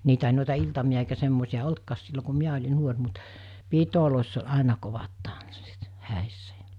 niitä ei noita iltamia eikä semmoisia ollutkaan silloin kun minä olin nuori mutta pidoissa oli aina kovat tanssit häissä ja